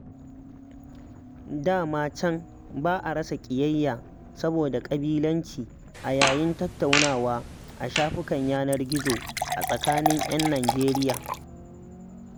Da ma can ba a rasa ƙiyayya saboda ƙabilanci a yayin tattaunawa a shafukan yanar gizo a tsakanin 'yan Nijeriya